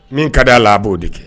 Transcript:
Min ka di' a la a b'o de kɛ